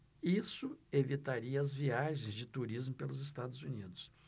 isso evitaria as viagens de turismo pelos estados unidos